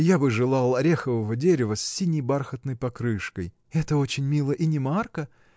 – Я бы желал орехового дерева с синей бархатной покрышкой. – Это очень мило и не марко